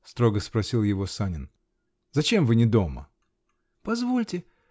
-- строго спросил его Санин, -- зачем вы не дома? -- Позвольте.